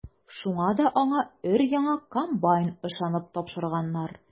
Шуңа да аңа өр-яңа комбайн ышанып тапшырганнар.